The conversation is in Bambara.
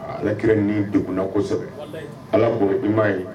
Alaki ni dogogunna kɔ kosɛbɛ ala bɔ i m'a ye